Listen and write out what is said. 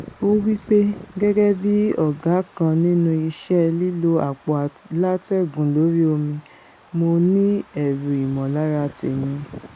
ó wí pé ''Gẹ́gẹ́bí ọ̀gá kan nínú iṣẹ́ lílo àpò alátẹ́gùn lórí omi, Mo ní ẹrù ìmọ̀lára tèmi''́.